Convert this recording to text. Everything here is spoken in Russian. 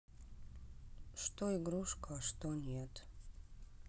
что игрушка а что нет